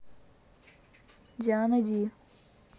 диана ди